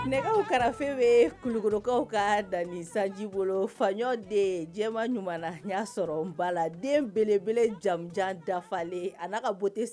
Ne kɛrɛfɛfe bɛ kulukaw ka dan sanji bolo faɲɔ de jɛma ɲuman na n y'a sɔrɔ n bala la den belebele jaja dafalen a ka bɔ